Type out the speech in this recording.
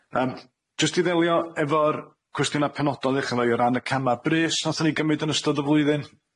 Yym jyst i ddelio efo'r cwestiyna penodol i ddechrai o ran y cama brys nathon ni gymryd yn ystod y flwyddyn.